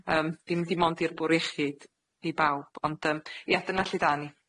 yym dim dim ond i'r Bwr' Iechyd, i bawb, ond yym, ia, dyna lle 'dan ni.